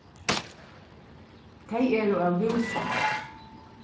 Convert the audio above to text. tey eru av húsum